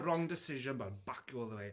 The wrong decision but I'll back you all the way.